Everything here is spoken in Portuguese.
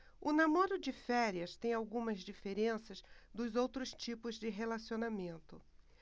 o namoro de férias tem algumas diferenças dos outros tipos de relacionamento